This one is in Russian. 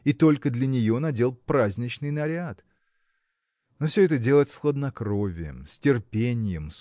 и только для нее надел праздничный наряд. Но все это делать с хладнокровием терпеньем